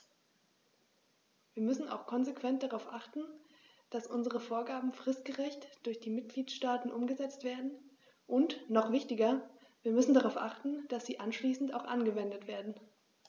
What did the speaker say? Wir müssen auch konsequent darauf achten, dass unsere Vorgaben fristgerecht durch die Mitgliedstaaten umgesetzt werden, und noch wichtiger, wir müssen darauf achten, dass sie anschließend auch angewendet werden.